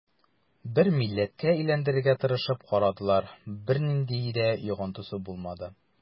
Бер милләткә әйләндерергә тырышып карадылар, бернинди дә йогынтысы булмады.